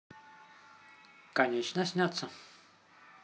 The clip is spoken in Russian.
конечно снятся